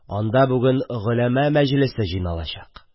Анда бүген голәма мәҗлесе җыйналачак.